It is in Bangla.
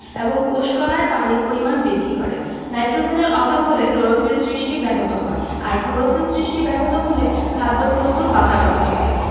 এবং কোষ কলায় পানির পরিমাণ বৃদ্ধি করে নাইট্রোজেনের অভাব হলে ক্লোরোফিল সৃষ্টি ব্যাহত হয় আর ক্লোরোফিল সৃষ্টি ব্যাহত হলে খাদ্য প্রস্তুত বাধাপ্রাপ্ত হয়